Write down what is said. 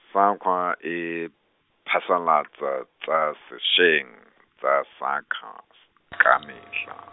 SAQA e, phasalatsa tsa sešeng, tsa SAQA, ka metlha.